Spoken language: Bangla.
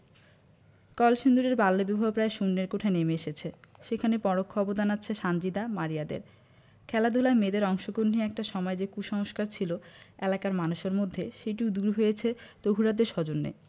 কলসিন্দুরের বাল্যবিবাহ প্রায় শূন্যের কোঠায় নেমে এসেছে সেখানে পরোক্ষ অবদান আছে সানজিদা মারিয়াদের খেলাধুলায় মেয়েদের অংশগহণ নিয়ে একটা সময় যে কুসংস্কার ছিল এলাকার মানুষের মধ্যে সেটিও দূর হয়েছে তহুরাদের সৌজন্যে